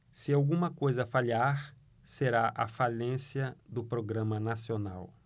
se alguma coisa falhar será a falência do programa nacional